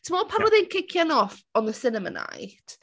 Timod... ie ...pan oedd e'n cician off on the cinema night?